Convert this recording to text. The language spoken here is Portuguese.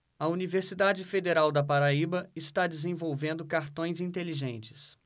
a universidade federal da paraíba está desenvolvendo cartões inteligentes